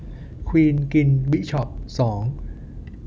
ควีนกินบิชอปสอง